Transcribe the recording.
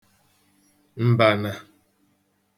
m̀bànà